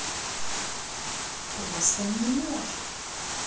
просто не может